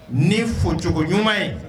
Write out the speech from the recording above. Ni fo cogo ɲuman ye